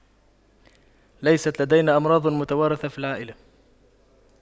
ليست لدينا أمراض متوارثة في العائلة